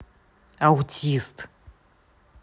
аутист